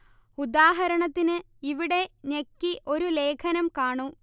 ഉദാഹരണത്തിന് ഇവിടെ ഞെക്കി ഒരു ലേഖനം കാണൂ